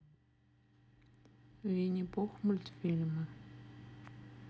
винни пух мультфильмы